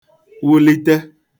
wulite